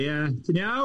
Ie, ti'n iawn?